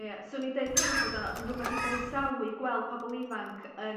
Ia 'swn i'n deud hefyd bod o yn rwbath i'w goreusawu gweld pobol ifanc yn